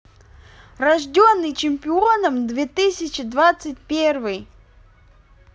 рожденный чемпионом две тысячи двадцать первый